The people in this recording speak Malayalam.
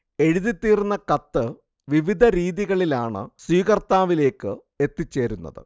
എഴുതിത്തീർന്ന കത്ത് വിവിധ രീതികളിലാണ് സ്വീകർത്താവിലേക്ക് എത്തിച്ചേരുന്നത്